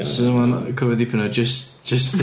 'Sa fo'n cymyd dipyn o adj- jyst...